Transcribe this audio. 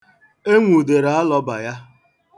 E nwụdere alọba ya.